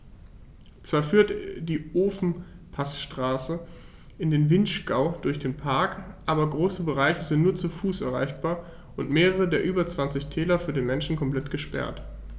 Zwar führt die Ofenpassstraße in den Vinschgau durch den Park, aber große Bereiche sind nur zu Fuß erreichbar und mehrere der über 20 Täler für den Menschen komplett gesperrt.